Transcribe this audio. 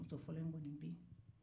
muso fɔlɔ muɲunen bɛ